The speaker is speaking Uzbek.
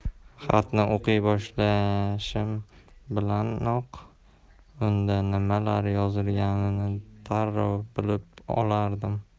xatni o'qiy boshlashim bilanoq unda nimalar yozilganini darrov bilib olardim